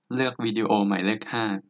เลือกวิดีโอหมายเลขห้า